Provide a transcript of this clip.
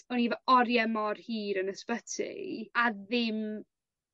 o'n i efo orie mor hir yn ysbyty a ddim